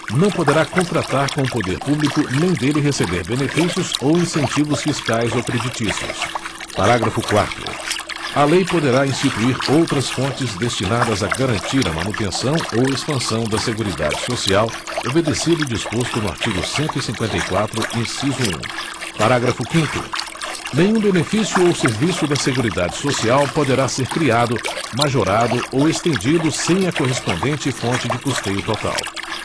não poderá contratar com o poder público nem dele receber benefícios ou incentivos fiscais ou creditícios parágrafo quarto a lei poderá instituir outras fontes destinadas a garantir a manutenção ou expansão da seguridade social obedecido o disposto no artigo cento e cinquenta e quatro inciso um parágrafo quinto nenhum benefício ou serviço da seguridade social poderá ser criado majorado ou estendido sem a correspondente fonte de custeio total